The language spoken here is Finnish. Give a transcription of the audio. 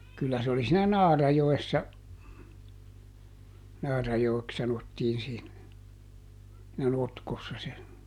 kyllä se oli siinä Naarajoessa Naarajoeksi sanottiin siinä - notkossa se